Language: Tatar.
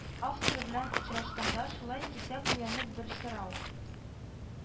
Авторы белән очрашканда шулай кисәк уянып бер сорау